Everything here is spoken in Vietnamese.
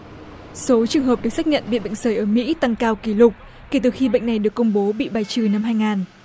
số trường hợp được xác nhận bị bệnh sởi ở mỹ tăng cao kỷ lục kể từ khi bệnh này được công bố bị bài trừ năm hai ngàn